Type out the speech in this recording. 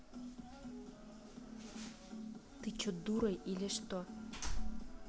ты че дурой или что